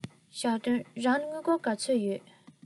ཞའོ ཏིང རང ལ དངུལ སྒོར ག ཚོད ཡོད